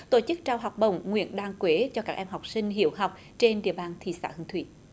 tổ chức trao học bổng nguyễn đan quế cho các em học sinh hiếu học trên địa bàn thị xã hương thủy